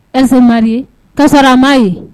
Elle s'est mariée k'a sɔrɔ a m'a ye